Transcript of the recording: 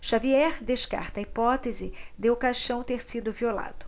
xavier descarta a hipótese de o caixão ter sido violado